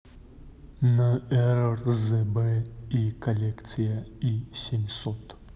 нрзб и коллекция и семьсот